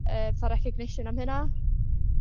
yy fatha' recognition am hynna.